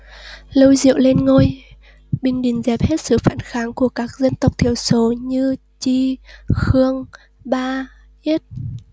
lưu diệu lên ngôi bình định dẹp hết sự phản kháng của các dân tộc thiểu số như chi khương ba yết